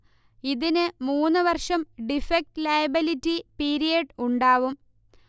ഇതിന് മൂന്ന് വർഷം ഡിഫക്ട് ലയബിലിറ്റി പീരിയഡ് ഉണ്ടാവും